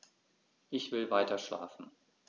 Ich will weiterschlafen.